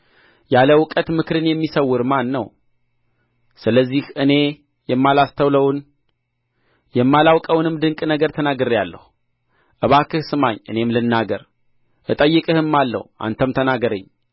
ያለ እውቀት ምክርን የሚሰውር ማን ነው ስለዚህ እኔ የማላስተውለውን የማላውቀውንም ድንቅ ነገር ተናግሬአለሁ እባክህ ስማኝ እኔም ልናገር እጠይቅህማለሁ አንተም ተናገረኝ